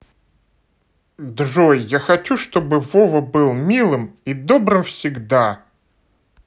джой я хочу чтобы вова был милым и добрым всегда